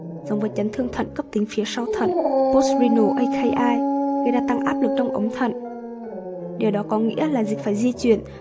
giống với chấn thương thận cấptính gây ra tăng áp lực trong ống thận điều đó có nghĩa là dịch phải di chuyển